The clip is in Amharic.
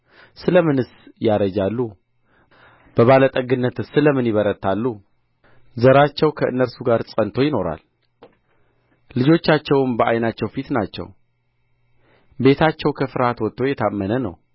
ስለ ምንስ ያረጃሉ በባለጠግነትስ ስለ ምን ይበረታሉ ዘራቸው ከእነርሱ ጋር ጸንቶ ይኖራል ልጆቻቸውም በዓይናቸው ፊት ናቸው ቤታቸው ከፍርሃት ወጥቶ የታመነ ነው